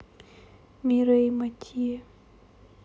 мирей матье